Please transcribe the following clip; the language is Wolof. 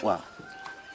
waaw